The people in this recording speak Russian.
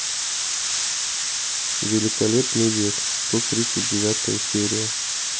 великолепный век сто тридцать девятая серия